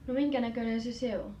no minkä näköinen se se on